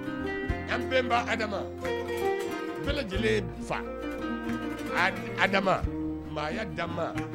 An bɛnba lajɛlen fa